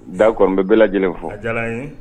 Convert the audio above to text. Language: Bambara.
Da ko n bɛ bɛ lajɛlen fɔ